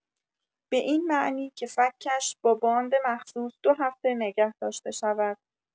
به این معنی که فک‌اش با باند مخصوص دو هفته نگه داشته شود.